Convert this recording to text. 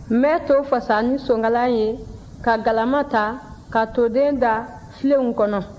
ne bɛ to fasa ni sonkala ye ka galama ta ka toden da filenw kɔnɔ